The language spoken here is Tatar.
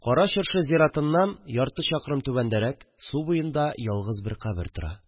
Кара Чыршы зиратыннан ярты чакрым түбәндәрәк су буенда ялгыз бер кабер тора